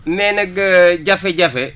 mais nag jafe-jafe